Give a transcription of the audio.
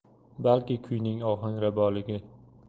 balki kuyning ohangraboligi